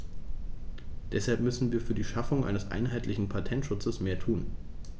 Deshalb müssen wir für die Schaffung eines einheitlichen Patentschutzes mehr tun.